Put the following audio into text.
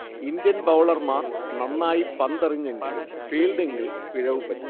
Indian ബൗളർമാർ നന്നായി പന്തെറിഞ്ഞെങ്കിലും ഫീൽഡിങ്ങിൽ പിഴവു പറ്റി